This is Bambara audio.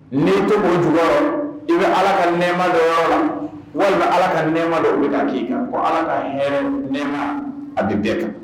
N'i tɛ bon ju i bɛ ala ka nɛma dɔ yɔrɔ la walima bɛ ala ka nɛma dɔ o k'i kan ko ala ka nɛma a bɛɛ kan